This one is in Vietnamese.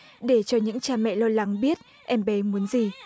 để cho những cha mẹ lo lắng biết em bé muốn gì